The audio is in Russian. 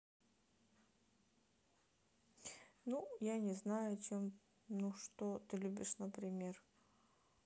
ну я не знаю о чем ну что ты любишь например